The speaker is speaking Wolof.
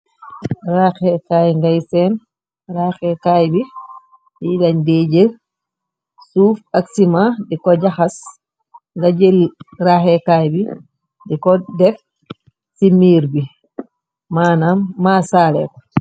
Raaxekaay ngay seen, raaxekaay bi yi lañ dee jël suuf ak sima di ko jaxas, ngai jël raaxekaay bi di ko def ci miir bi maana masaalee.